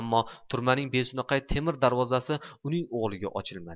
ammo turmaning beso'naqay temir darvozasi uning o'g'liga ochilmadi